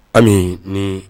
An nin